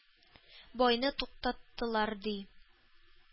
Байны туктаттылар, ди.